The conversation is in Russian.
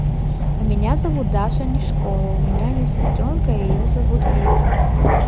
а меня зовут даша не школа у меня есть сестренка ее зовут вика